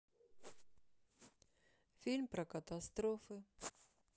фильм про катастрофы